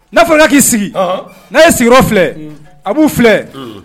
Fana k'i sigi n'a ye sigiyɔrɔ filɛ a'u filɛ